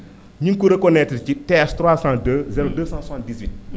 ñu ngi ko reconnaitre ci TH 302 0278